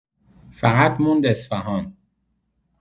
فقط موند اصفهان